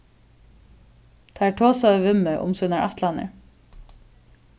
teir tosaðu við meg um sínar ætlanir